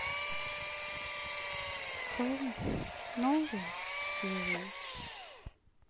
хрум новые серии